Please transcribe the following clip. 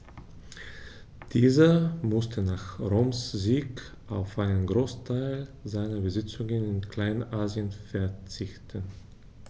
Dieser musste nach Roms Sieg auf einen Großteil seiner Besitzungen in Kleinasien verzichten.